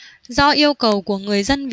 do yêu cầu của người dân